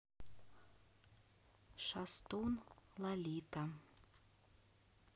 шастун лолита